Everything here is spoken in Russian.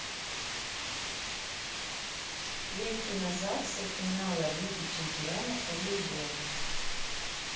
квентина загса финала лиги чемпионов волейбол